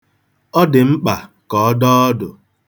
Ọ dị mkpa ka ọ dọọ ọdụ.